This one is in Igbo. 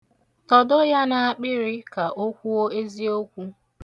Tọdo ya n'akpịrị ka o kwuo eziokwu.